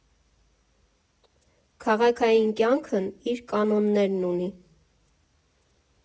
Քաղաքային կյանքն իր կանոններն ունի։